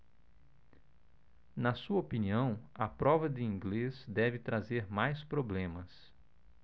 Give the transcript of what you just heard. na sua opinião a prova de inglês deve trazer mais problemas